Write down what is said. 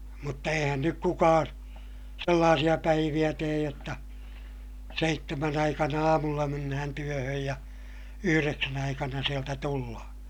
mutta eihän nyt kukaan sellaisia päiviä tee jotta seitsemän aikana aamulla mennään työhön ja yhdeksän aikana sieltä tullaan